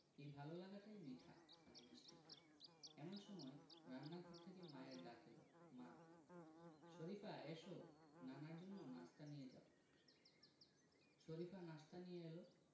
এই ভালো লাগাটাই মিঠা মানে মিষ্টি এমন সময় রান্নাঘর থেকে মায়ের ডাক এলো মা শরিফা এসো নানার জন্য নাশতা নিয়ে যাও শরিফা নাশতা নিয়ে এলো